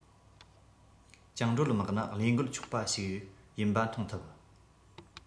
བཅིངས འགྲོལ དམག ནི བློས འགེལ ཆོག པ ཞིག ཡིན པ མཐོང ཐུབ